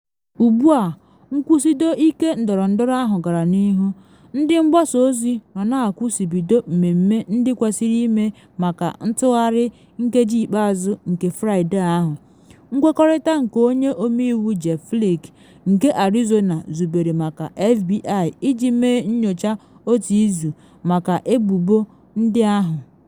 Ugbu a, nkwụsịdo ike ndọrọndọrọ ahụ gara n’ihu, ndị mgbasa ozi nọ na akwụsịbido mmemme ndị kwesịrị ịme maka ntụgharị nkeji ikpeazụ nke Fraịde ahụ: nkwekọrịta nke Onye Ọmeiwu Jeff Flake nke Arizona zubere maka FBI iji mee nnyocha otu-izu maka ebubo ndị ahụ.